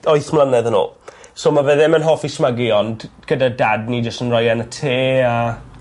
wyth mlynedd yn ôl. So ma' fe ddim yn hoffi smygu ond gyda dad ni jyst yn roi e yn y te a...